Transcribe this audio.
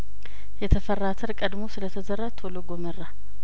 የተፈራ አተር ቀድሞ ስለተዘራ ቶሎ ጐመራ